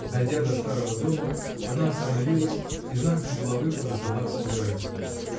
Дойдя до старого дома, она остановилась и знаком головы подозвала к себе Райского.